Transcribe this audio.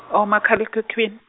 oh makhal'ekhwikhwin-.